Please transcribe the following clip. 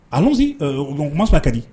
A n se u kumamasa ka di